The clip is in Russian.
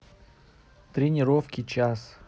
тренировки час